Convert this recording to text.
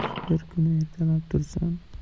bir kuni ertalab tursam